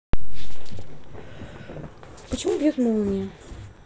почему бьет молния